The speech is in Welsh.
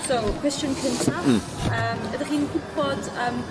So cwestiwn cyntaf. Hmm. Yym, ydych chi'n gwpod yym